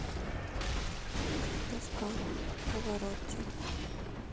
тоска паваротти